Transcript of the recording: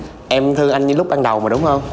em thương anh như lúc ban đầu mà đúng không